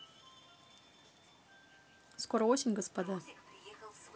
скоро осень господа